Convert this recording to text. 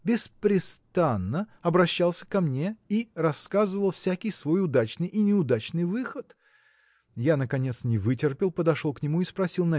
– беспрестанно обращался ко мне и рассказывал всякий свой удачный и неудачный выход. Я наконец не вытерпел подошел к нему и спросил